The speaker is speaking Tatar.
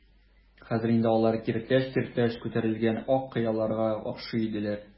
Хәзер инде алар киртләч-киртләч күтәрелгән ак кыяларга охшый иделәр.